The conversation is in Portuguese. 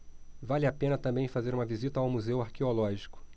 vale a pena também fazer uma visita ao museu arqueológico